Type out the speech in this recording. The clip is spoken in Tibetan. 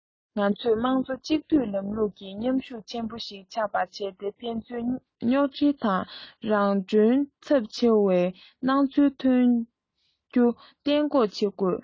ང ཚོས དམངས གཙོ གཅིག སྡུད ལམ ལུགས ཀྱི མཉམ ཤུགས ཆེན པོ ཞིག ཆགས པ བྱས ཏེ ཕན ཚུན རྙོག འཁྲིལ དང རང གྲོན ཚབས ཆེ བའི སྣང ཚུལ ཐོན རྒྱུ གཏན འགོག བྱེད དགོས